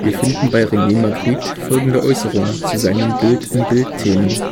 finden bei René Magritte folgende Äußerung zu seinen „ Bild-in-Bild-Themen